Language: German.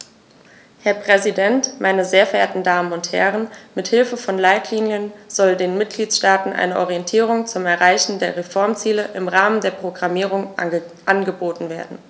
Herr Präsident, meine sehr verehrten Damen und Herren, mit Hilfe von Leitlinien soll den Mitgliedstaaten eine Orientierung zum Erreichen der Reformziele im Rahmen der Programmierung angeboten werden.